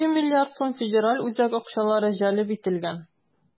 2 млрд сум федераль үзәк акчалары җәлеп ителгән.